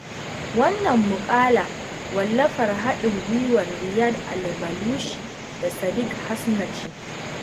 Wannan muƙala wallafar haɗin gwiwar Riyadh Al Balushi da Sadeek Hasna ce.